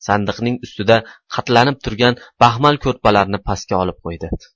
sandiqning ustida qatlanib turgan baxmal ko'rpalarni pastga olib qo'ydi